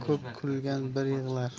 ko'p kulgan bir yig'lar